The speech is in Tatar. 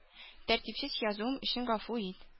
Тәртипсез язуым өчен гафу ит.